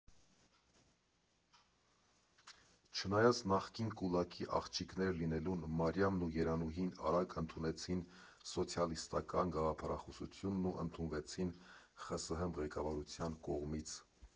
Չնայած նախկին կուլակի աղջիկներ լինելուն, Մարիամն ու Երանուհին արագ ընդունեցին սոցիալիստական գաղափարախոսությունն ու ընդունվեցին ԽՍՀՄ ղեկավարության կողմից։